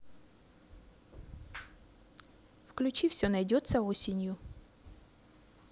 включи все найдется осенью